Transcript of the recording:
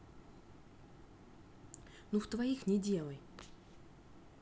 ну в твоих не делай